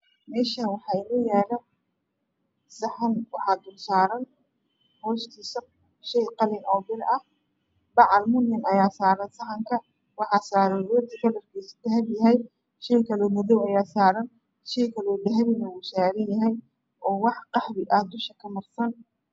Meshani waxaa inoo yala saxan waxaa dul saran hostiisa shay qalin oo bir ah lamuniyom ayaa saran rooti kalarkiisu dahabi yahay shey kaloo madoow ayaa saran shey kaloo dahabi ahna wuu saran yahay oo wax qaxwi ah dusha ka marsan